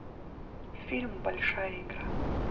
фильм большая игра